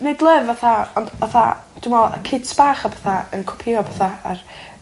Make love fatha ond fatha dwi me'wl y kids bach a petha yn copio petha a'r